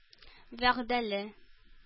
Вәгъдәле